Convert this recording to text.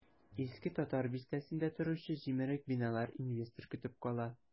Иске татар бистәсендә торучы җимерек биналар инвестор көтеп кала.